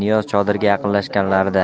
niyoz chodirga yaqinlashganlarida